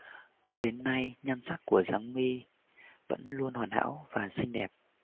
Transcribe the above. cho đến nay nhan sắc của giáng my vẫn luôn hoàn hảo và xinh đẹp